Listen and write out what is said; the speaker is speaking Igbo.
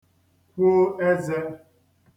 kwo ezē